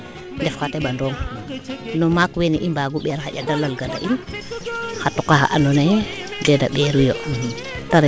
ndef xa teɓaong no maak weene i mbaagu ɓeer xanja de lal gana in xa tuqa xe ando naye te da mbeeru yo